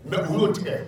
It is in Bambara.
Mais u y'o tigɛ